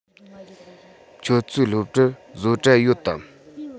ཁྱོད ཚོའི སློབ གྲྭར བཟོ གྲྭ ཡོད དམ